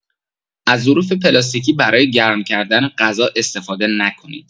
از ظروف پلاستیکی برای گرم‌کردن غذا استفاده نکنید.